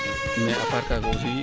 mais a part kaaga aussi